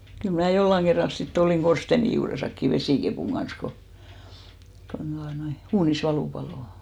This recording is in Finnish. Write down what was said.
kyllä minä jollakin kerralla sitten olin korsteenin juuressakin vesikepun kanssa kun kun tuota noin uunissa valu paloi